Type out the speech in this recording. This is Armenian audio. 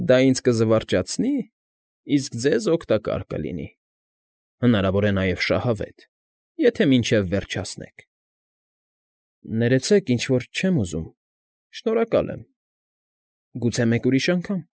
Դա ինձ կզվարճացնի, իսկ ձեզ օգտակար կլինի, հնարավոր է նաև շահավետ, եթե մինչև վերջ հասնեք։ ֊ Ներեցեք, ինչ֊որ չեմ ուզում, շնորհակալ եմ, գուցե մեկ ուրիշ անգամ։